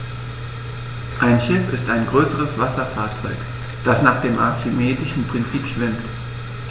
Ein Schiff ist ein größeres Wasserfahrzeug, das nach dem archimedischen Prinzip schwimmt.